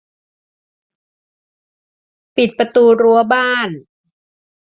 ปิดประตูรั้วบ้าน